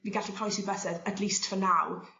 fi'n gallu croesi bysedd at least for now